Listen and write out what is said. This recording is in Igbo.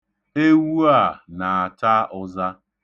Ewu a na-ata ụza